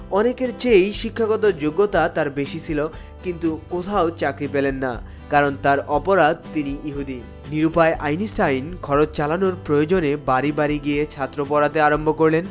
অনেকের চেয়েই শিক্ষকতার যোগ্যতা তার বেশি ছিল কিন্তু কোথাও চাকরি পেলেন না কারণ তার অপরাধ তিনি ইহুদি নিরুপায় আইনস্টাইন খরচ চালানোর প্রয়োজনে বাড়ি বাড়ি গিয়ে ছাত্র পড়াতে আরম্ভ করলেন